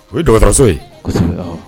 O ye dɔgɔ dɔgɔtɔrɔraso ye